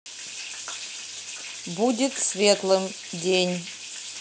будет светлым день